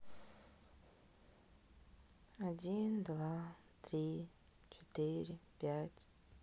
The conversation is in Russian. один два три четыре пять